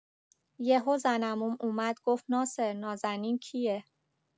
یهو زن عمومم اومد گفت ناصر نازنین کیه؟